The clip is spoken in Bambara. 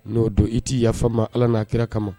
N'o don i t'i yafama ala n'a kira kama